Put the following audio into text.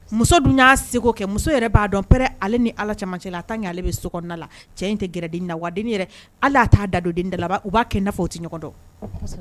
Muso dun y'a se kɛ muso yɛrɛ b'a dɔn pɛ ale ni ala caman cɛ a ta aleale bɛ so la cɛ in tɛ gɛrɛden na waden yɛrɛ ala taa da dondenda labanba u b'a kɛ fɔ o tɛ ɲɔgɔn dɔn